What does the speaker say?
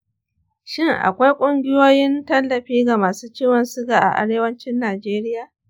shin akwai ƙungiyoyin tallafi ga masu ciwon suga a arewacin najeriya?